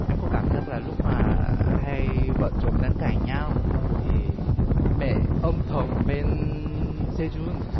em có cảm giác là lúc mà hai vợ chồng đang cãi nhau thì mẹ âm thầm bên sê chun